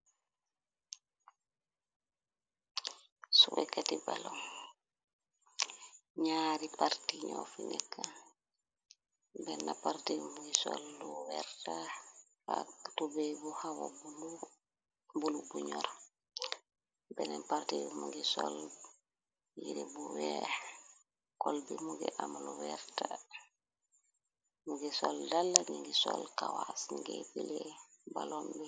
suwekati balo ñaari parti ñoo fi nekk benn parti bi mungi sol lu werta wakk tubey bu xawa bulu bu njul bennen parti bi mungi sol yare bu weex kol bi mungi am lu werta mu ngi sol dala ni ngi sol kawaas nunge pile balon bi